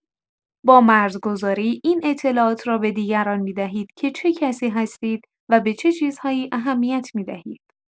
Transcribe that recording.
با مرزگذاری، این اطلاعات را به دیگران می‌دهید که چه کسی هستید و به چه چیزهایی اهمیت می‌دهید.